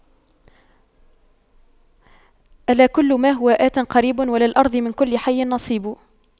ألا كل ما هو آت قريب وللأرض من كل حي نصيب